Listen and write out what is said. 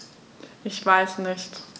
Ich weiß nicht.